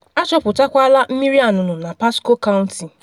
Achọpụtakwala Mmiri Anụnụ na Pasco County.